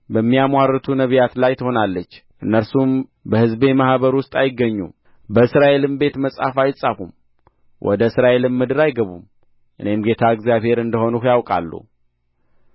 በሚያምዋርቱ ነቢያት ላይ ትሆናለች እነርሱም በሕዝቤ ማኅበር ውስጥ አይገኙም በእስራኤልም ቤት መጽሐፍ አይጻፉም ወደ እስራኤልም ምድር አይገቡም እኔም ጌታ እግዚአብሔር እንደ ሆንሁ ያውቃሉ